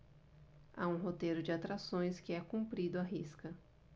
há um roteiro de atrações que é cumprido à risca